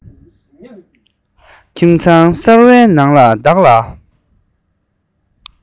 ཁྱིམ ཚང གསར བའི ནང དུ བདག ལ